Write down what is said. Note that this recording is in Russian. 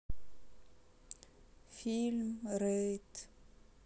фильм рейд